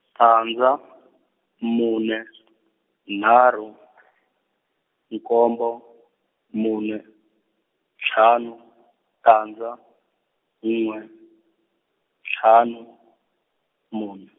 tandza, mune , nharhu , nkombo, mune, ntlhanu, tandza, n'we, ntlhanu, mune.